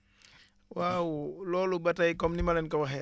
waaw loolu ba tey comme ni ma leen ko waxee